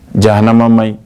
Jananama ma ɲi